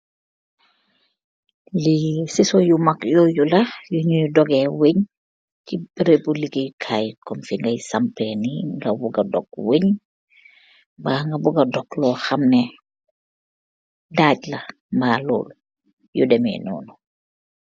lii siso yu mag yooyu la yuñuy dogee wëñ ci berëbu liggikaay, kom fi ngay sampee nii, nga buga dog weñ, mbaa nga bugga dog loo xamne daaj la mbaa lool yu demee noonu.